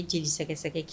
Ye jeli sɛgɛ